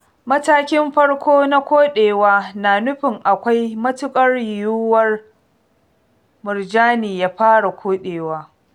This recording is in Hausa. Matakin Farko na Koɗewa na nufin akwai matuƙar yiwuwar miurjani ya fara koɗewa.